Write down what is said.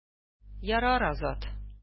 Ярар, Азат.